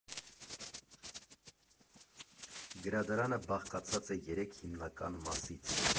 Գրադարանը բաղկացած է երեք հիմնական մասից.